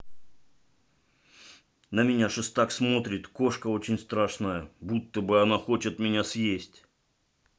на меня шестак смотрит кошка очень страшная будто бы она хочет меня съесть